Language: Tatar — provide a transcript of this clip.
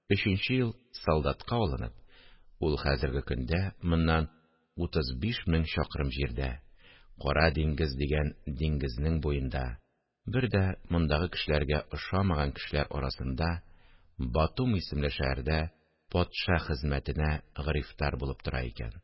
Өченче ел солдатка алынып, ул хәзерге көндә моннан 35 мең чакрым җирдә, кара диңгез дигән диңгезнең буенда, бер дә мондагы кешеләргә охшамаган кешеләр арасында батум исемле шәһәрдә патша хезмәтенә грифтар булып тора икән